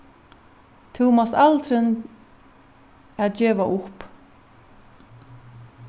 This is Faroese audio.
tú mást aldrin at geva upp